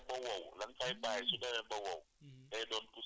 ndax su ñu demee ba wow la nga fay bàyyi su demee ba wow